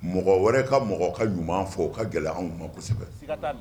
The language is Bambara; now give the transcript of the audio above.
Mɔgɔ wɛrɛ ka mɔgɔ ka ɲuman fɔ o ka gɛlɛya anw ma kosɛbɛ siga t'a la